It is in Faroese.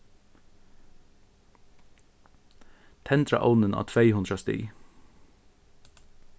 tendra ovnin á tvey hundrað stig